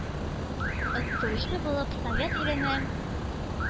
Оттыручы булып, совет иленең,